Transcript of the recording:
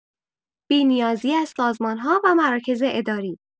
بی‌نیازی از سازمان‌ها و مراکز اداری